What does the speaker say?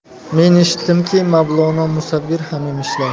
men eshitdimki mavlono musavvir ham emishlar